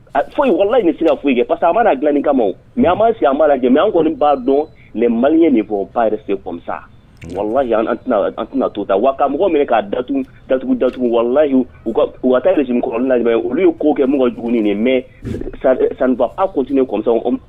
Fɔ walala in sira foyi i ye parcesa a b maa dilain kama mɛ an ma si an' la an kɔni' dɔn mɛ mali de fɔ ba yɛrɛ se kɔsa wala an tɛna to ta wa mɔgɔ minɛ ka' datugu datugu datugu walalayi u u kataɔrɔn la olu ko kɛ mɔgɔ jugu mɛ sanfa awkot kɔsɔn